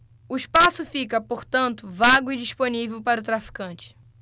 o espaço fica portanto vago e disponível para o traficante